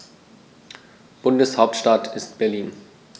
Bundeshauptstadt ist Berlin.